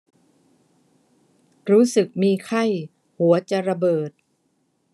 รู้สึกมีไข้หัวจะระเบิด